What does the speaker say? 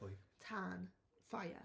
Pwy?... Tân, Fire.